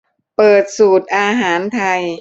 เปิดสูตรอาหารไทย